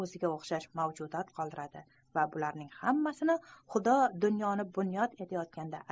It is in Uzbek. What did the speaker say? o'ziga o'xshash mavjudot qoldiradi va bularning hammasini xudo dunyoni bunyod etayotganda